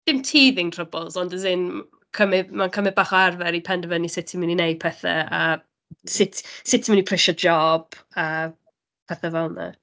Dim teething troubles, ond as in, m- cymryd, ma'n cymryd bach o arfer i penderfynu sut ti'n mynd i wneud pethe, a sut sut ti'n mynd i priso job, a pethe fel 'na.